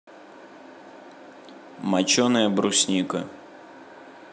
моченая брусника